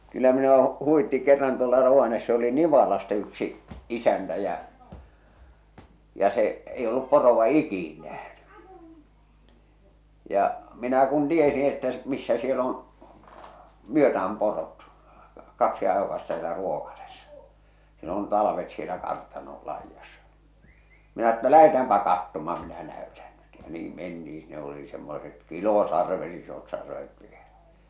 kyllä minua huvitti kerran tuolla Rovaniemessä oli Nivalasta yksi isäntä ja ja se ei ollut poroa ikinä nähnyt ja minä kun tiesin että - missä siellä on myötään porot kaksi ajokasta siellä Ruokasessa siellä on talvet siellä kartanon laidassa minä että lähdetäänpä katsomaan minä näytän nyt ja niin mentiin sinne oli semmoiset kilosarvet isot sarvet vielä